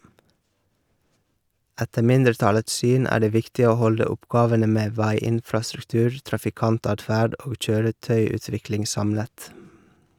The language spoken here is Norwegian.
Etter mindretallets syn er det viktig å holde oppgavene med veiinfrastruktur, trafikantadferd og kjøretøyutvikling samlet.